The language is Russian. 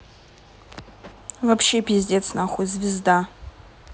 вообще пиздец нахуй звезда